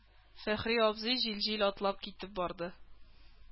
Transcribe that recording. Фәхри абзый җил-җил атлап китеп барды.